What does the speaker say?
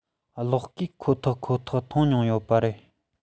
གློག སྐས ཁོ ཐག ཁོ ཐག ཐུག མྱོང ཡོད པ རེད